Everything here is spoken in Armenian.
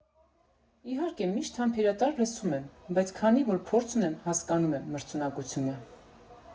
Իհարկե, միշտ համբերատար լսում եմ, բայց քանի որ փորձ ունեմ, հասկանում եմ՝ մրցունակությունը։